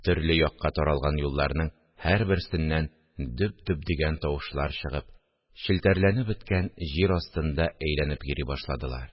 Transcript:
Төрле якка таралган юлларның һәрберсеннән дөп-дөп дигән тавышлар чыгып, челтәрләнеп беткән җир астында әйләнеп йөри башладылар